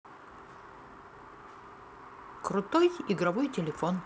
крутой игровой телефон